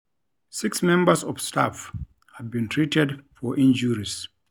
Six members of staff have been treated for injuries.